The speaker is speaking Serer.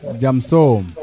jam soom